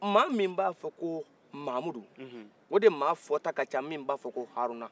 maa min b'a fɔ ko mamudu o de maa fɔta kacan min b'a fo ko haruna